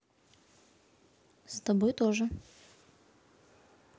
с тобой тоже